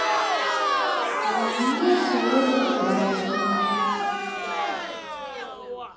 а у меня сегодня праздник